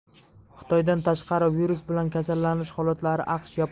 xitoydan tashqari virus bilan kasallanish holatlari aqsh